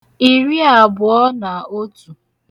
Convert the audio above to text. ìriàbụ̀ọ nà otù